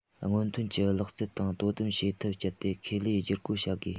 སྔོན ཐོན གྱི ལག རྩལ དང དོ དམ བྱེད ཐབས སྤྱད དེ ཁེ ལས བསྒྱུར བཀོད བྱ དགོས